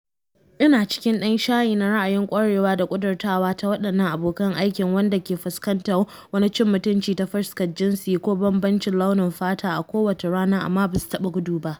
Ina cikin dan shayi na ra’ayin kwarewa da ƙudurtawa ta waɗannan abokan aikin waɗanda ke fuskantar wani cin mutunci ta fuska jinsi ko bambancin launin fata a kowace rana amma ba su taɓa gudu ba.